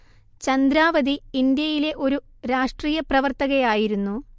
ചന്ദ്രാവതിഇന്ത്യയിലെ ഒരു രാഷ്ട്രീയ പ്രവർത്തകയായിരുന്നു